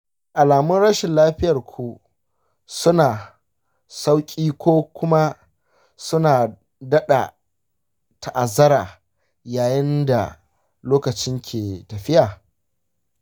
shin alamun rashin lafiyar ku suna sauƙi ko kuma suna daɗa ta'azzara yayin da lokaci ke tafiya?